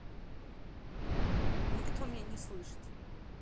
никто меня не слышишь